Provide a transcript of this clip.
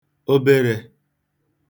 oberē